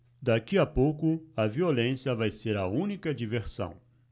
daqui a pouco a violência vai ser a única diversão